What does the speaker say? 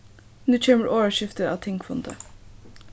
nú kemur orðaskifti á tingfundi